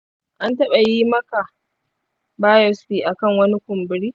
an taɓa yi maka biopsy a kan wani ƙumburi?